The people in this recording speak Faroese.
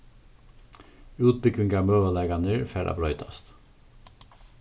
útbúgvingarmøguleikarnir fara at broytast